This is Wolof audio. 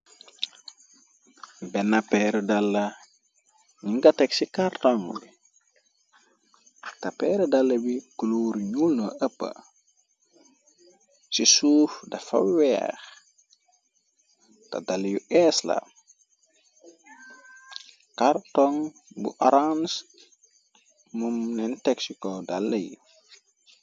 Benn peer dala ñi nga teg ci cartong bi. Te peer dala bi kluur ñul na ëpp ci suuf dafa weex te dala yu eesla. Cartong bu arange moom neen texiko dalla yi.